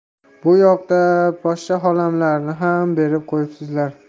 bu yoqda poshsha xolamlarni ham berib qo'yibsizlar